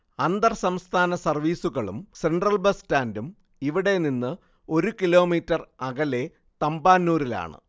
അന്തർസംസ്ഥാന സർവീസുകളും central bus സ്റ്റാൻഡും ഇവിടെനിന്ന് ഒരു കിലോമീറ്റർ അകലെ തമ്പാനൂരിലാണ്